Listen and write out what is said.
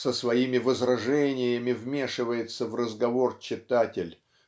со своими возражениями вмешивается в разговор читатель